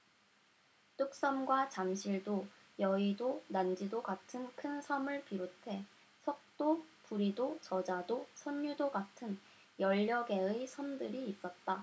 뚝섬과 잠실도 여의도 난지도 같은 큰 섬을 비롯해 석도 부리도 저자도 선유도 같은 열 여개의 섬들이 있었다